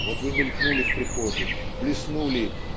Вот вы мелькнули в прихожей блеснули